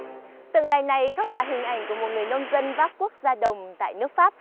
tượng đài này khắc họa hình ảnh của một người nông dân vác cuốc ra đồng tại nước pháp